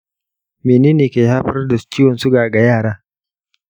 mene ne ke haifar da ciwon suga ga yara?